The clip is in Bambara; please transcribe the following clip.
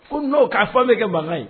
Ko n'o k'a fɔ bɛ kɛ ban ye